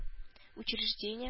Учреждение